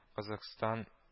Казакъстан